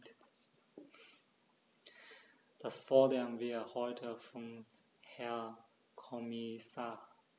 Das fordern wir heute vom Herrn Kommissar.